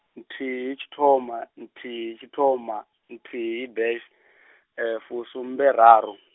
nthihi tshithoma, nthihi tshithoma, nthihi dash, fusumberaru.